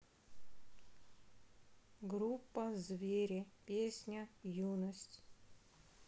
группа звери песня юность